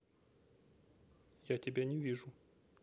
я тебя не вижу